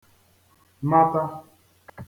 mata